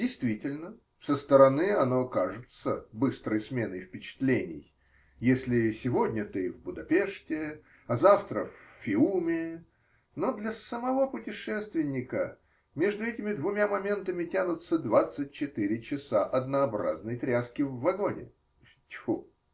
Действительно, со стороны оно кажется быстрой сменой впечатлений, если сегодня ты в Будапеште, а завтра в Фиуме, но для самого путешественника между этими двумя моментами тянутся двадцать четыре часа однообразной тряски в вагоне. Тьфу!